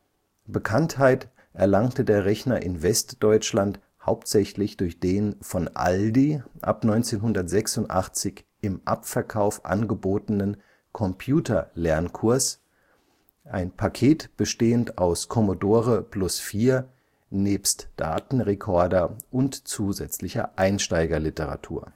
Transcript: Bekanntheit erlangte der Rechner in Westdeutschland hauptsächlich durch den von Aldi ab 1986 im Abverkauf angebotenen Computer-Lernkurs, ein Paket bestehend aus Commodore Plus/4 nebst Datenrekorder und zusätzlicher Einsteigerliteratur